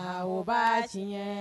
Ɔwɔ baasi